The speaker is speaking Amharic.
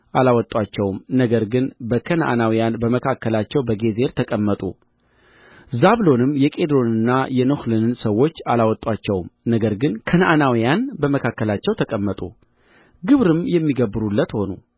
አላወጣቸውም ነገር ግን ከነዓናውያን በመካከላቸው በጌዝር ተቀመጡ ዛብሎንም የቂድሮንንና የነህሎልን ሰዎች አላወጣቸውም ነገር ግን ከነዓናውያን በመካከላቸው ተቀመጡ ግብርም የሚገብሩለት ሆኑ